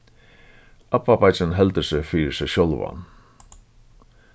abbabeiggin heldur seg fyri seg sjálvan